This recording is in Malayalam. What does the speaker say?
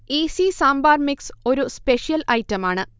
ഈസി സാമ്പാർ മിക്സ് ഒരു സ്പെഷ്യൽ ഐറ്റമാണ്